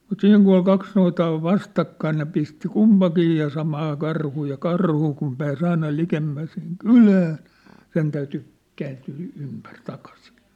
mutta siinä kun oli kaksi noitaa on vastakkain ne pisti kumpikin ja samaa karhua ja karhu kun pääsi aina likemmäs sinne kylään sen täytyi kääntyä ympäri takaisin